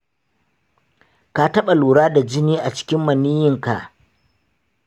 ka taɓa lura da jini a cikin maniyyinka?